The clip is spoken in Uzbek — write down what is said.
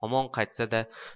omon qaytsada